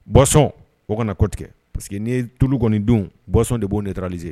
Boisson o kana na kɔtigɛ parce que n'i ye tulu kɔni dun, boisson de b'o neutralisé